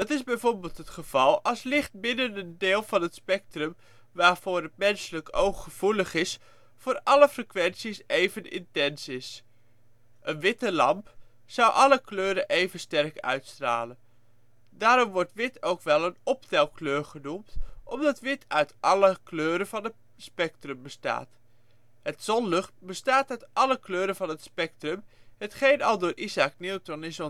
is bijvoorbeeld het geval als licht binnen het deel van het spectrum waarvoor het menselijk oog gevoelig is, voor alle frequenties even intens is. Een witte lamp zou alle kleuren even sterk uitstralen. Daarom wordt wit ook wel een optelkleur genoemd, omdat wit uit alle kleuren van het spectrum bestaat. Het zonlicht bestaat uit alle kleuren van het spectrum, hetgeen al door Isaac Newton is ontdekt